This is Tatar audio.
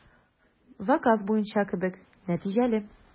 Заказ буенча кебек, нәтиҗәле.